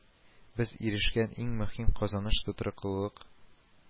Без ирешкән иң мөһим казаныш тотрыклылык